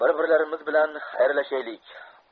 bir birlarimiz bilan xayrlashaylik